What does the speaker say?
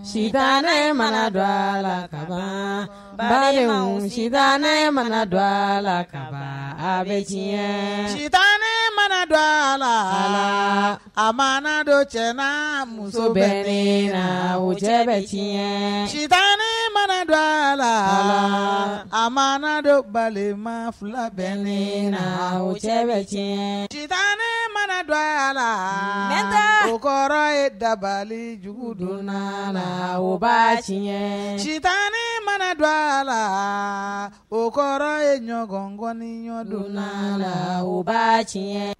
Si ne mana dɔ a la ka bali sita ne mana dɔ a la ka bɛ diɲɛ ci ne mana dɔ a la a ma dɔ cɛ muso bɛ la wo cɛ bɛɲɛ sita ne mana don a la a ma dɔ bali ma fila bɛ le na cɛ bɛ tiɲɛ si tan ne mana don a la nta o kɔrɔ ye dabalijugu donna la ba tiɲɛɲɛ cita ne mana don a la o kɔrɔ ye ɲɔgɔnkɔni ɲɔgɔndon la la u ba tiɲɛ